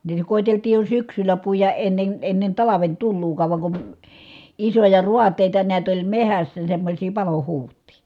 niitä koeteltiin jo syksyllä puida ennen ennen talven tuloakaan vaan kun isoja raateita näet oli metsässä semmoisia palohuhtia